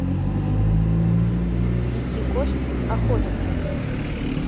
дикие кошки охотятся